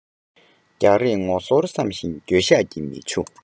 རྒྱག རེས ངོ གསོར བསམ ཞིང འགྱོད ཤགས ཀྱི མིག ཆུ